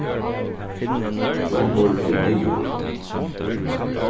hjálmur er neyðugur